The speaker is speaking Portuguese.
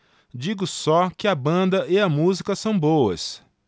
digo só que a banda e a música são boas